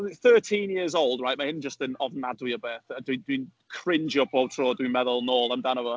13 years old right ma hyn jyst yn ofnadwy o beth. A dwi dwi'n crinjo bob tro, dwi'n meddwl 'nôl amdano fo.